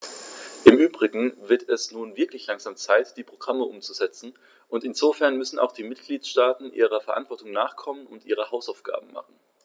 Im übrigen wird es nun wirklich langsam Zeit, die Programme umzusetzen, und insofern müssen auch die Mitgliedstaaten ihrer Verantwortung nachkommen und ihre Hausaufgaben machen.